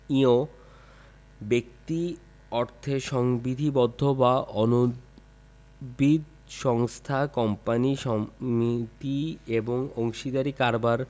ঞ ব্যক্তি অর্থে সংবিধিবদ্ধ বা অন্যবিধ সংস্থা কোম্পানী সমিতি এবং অংশীদারী কারবার